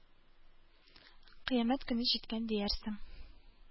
Кыямәт көне җиткән диярсең.